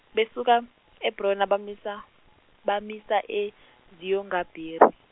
besuka Ebrona bamisa, bamisa Eziyongabheri.